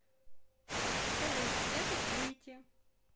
салют я хочу выйти